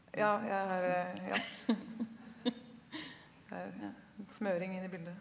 ja jeg har ja det er smøring inni bildet.